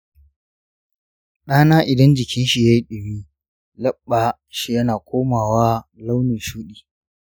ɗana idan jikin shi yayi dumi leɓɓa shi yana komawa launin shuɗi.